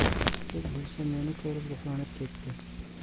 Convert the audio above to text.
kuchuk bo'lsa meni ko'rib ruhlanib ketdi